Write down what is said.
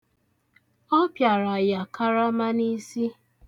Ọ pịara ya karama n'isi.